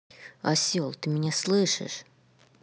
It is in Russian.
осел ты меня слышишь